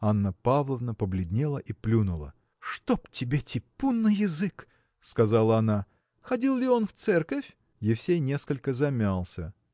Анна Павловна побледнела и плюнула. – Чтоб тебе типун на язык! – сказала она. – Ходил ли он в церковь? Евсей несколько замялся.